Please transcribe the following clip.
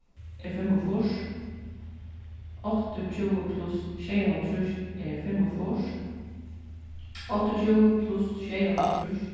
er fimmogfýrs áttaogtjúgu pluss sjeyoghálvtrýss er fimmogfýrs áttaogtjúgu pluss sjeyoghálvtrýss